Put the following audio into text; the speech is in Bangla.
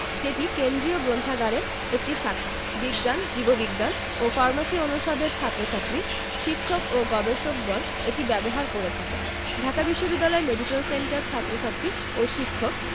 যেটি কেন্দ্রীয় গ্রন্থাগারের একটি শাখা বিজ্ঞান জীববিজ্ঞান ও ফার্মেসি অনুষদের ছাত্রছাত্রী শিক্ষক ও গবেষকগণ এটি ব্যবহার করে থাকেন ঢাকা বিশ্ববিদ্যালয় মেডিকেল সেন্টার ছাত্রছাত্রী ও শিক্ষক